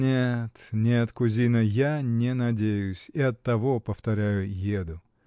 — Нет, нет, кузина, я не надеюсь и оттого, повторяю, еду.